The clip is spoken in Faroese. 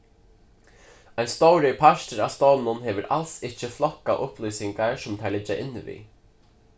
ein stórur partur av stovnunum hevur als ikki flokkað upplýsingar sum teir liggja inni við